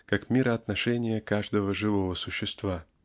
как мироотношение каждого живого существа.